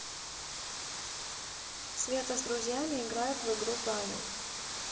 света с друзьями играют в игру баню